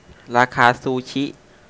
ราคาซูชิ